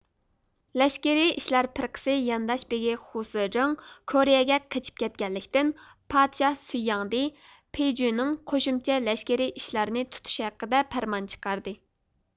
لەشكىرىي ئىشلار پىرقىسى يانداش بېگى خۇسجېڭ كورىيەگە قېچىپ كەتكەنلىكتىن پادىشاھ سۈي ياڭدى پېي جۈنىڭ قوشۇمچە لەشكىرىي ئىشلارنى تۇتۇشى ھەققىدە پەرمان چىقاردى